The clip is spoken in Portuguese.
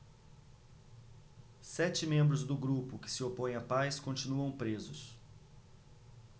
sete membros do grupo que se opõe à paz continuam presos